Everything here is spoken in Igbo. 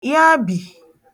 yabì